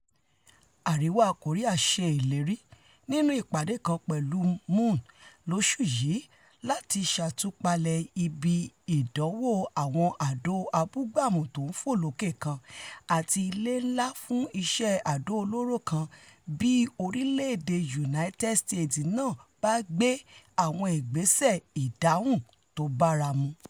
Àríwá Kòríà ṣe ìlérí nínú ìpàdé kan pẹ̀lú Moon lóṣù yìí láti ṣàtúpalẹ̀ ibi ìdánwòàwọn àdó abúgbàmu tóńfòlókè kan àti ilé ńlá fún iṣẹ́ àdó olóró kan bí orilẹ-èdè United States náà bá gbé ''àwọn ìgbésẹ̀ ìdáhùn tóbáramu.''